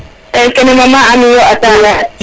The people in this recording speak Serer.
e kene Maman Amy yo a Sarare